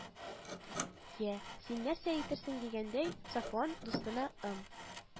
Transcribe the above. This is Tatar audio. Йә, син нәрсә әйтерсең дигәндәй, Сафуан дустына ым